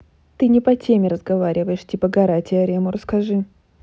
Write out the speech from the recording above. ты не по теме разговариваешь типа гора теорему расскажи